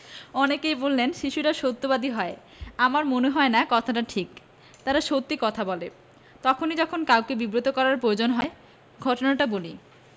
অনেকেই বলেন শিশুরা সত্যবাদী হয় আমার মনে হয় না কথাটা ঠিক তারা সত্যি কথা বলে তখনি যখন কাউকে বিব্রত করার প্রয়ােজন হয় ঘটনাটা বলি